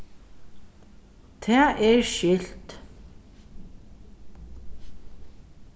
tað er skilt